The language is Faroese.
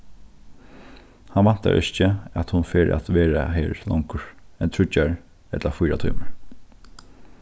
hann væntar ikki at hon fer at verða her longur enn tríggjar ella fýra tímar